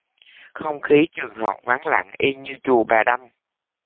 không khí trường học vắng lặng y như chùa bà đanh